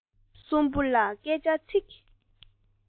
གསུམ པོ ལ སྐད ཆ ཚིག